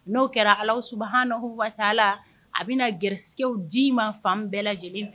N'o kɛra ala suba hauna hubala a bɛna na garigɛw ji ma fan bɛɛ lajɛlen fɛ